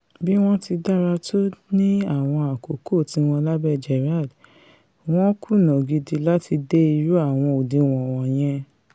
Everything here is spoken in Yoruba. Bí wọ́n ti dára tó ni àwọn àkókò tíwọ́n lábẹ́ Gerrard, wọ́n kùnà gidi láti dé irú àwọn òdiwọ̀n wọ̀nyẹn.